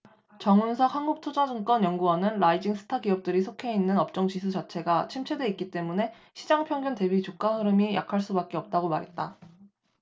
정훈석 한국투자증권 연구원은 라이징 스타 기업들이 속해 있는 업종지수 자체가 침체돼 있기 때문에 시장 평균 대비 주가 흐름이 약할 수밖에 없다고 말했다